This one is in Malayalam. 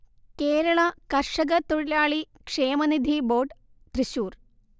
കേരള കർഷക തൊഴിലാളി ക്ഷേമനിധി ബോർഡ് തൃശ്ശൂർ